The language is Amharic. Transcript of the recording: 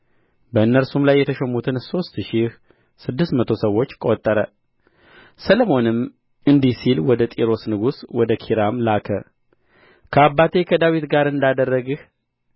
በእነርሱም ላይ የተሾሙትን ሦስት ሺህ ስድስት መቶ ሰዎች ቈጠረ ሰሎሞንም እንዲህ ሲል ወደ ጢሮስ ንጉሥ ወደ ኪራም ላከ ከአባቴ ከዳዊት ጋር እንዳደረግህ